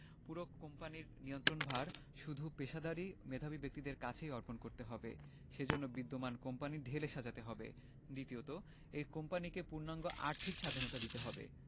পুরো কোম্পানির নিয়ন্ত্রণভার শুধু পেশাদারি মেধাবী ব্যক্তিদের কাছেই অর্পণ করতে হবে সে জন্য বিদ্যমান কোম্পানি ঢেলে সাজাতে হবে দ্বিতীয়ত এই কোম্পানিকে পূর্ণাঙ্গ আর্থিক স্বাধীনতা দিতে হবে